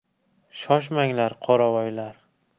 shoshmanglar qoravoylar